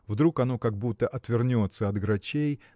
вдруг оно как будто отвернется от Грачей